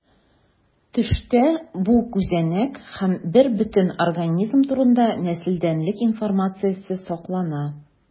Төштә бу күзәнәк һәм бербөтен организм турында нәселдәнлек информациясе саклана.